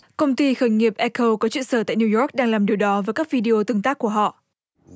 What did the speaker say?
công ty khởi nghiệp e câu có trụ sở tại niu gióc đang làm điều đó với các vi đi ô tương tác của họ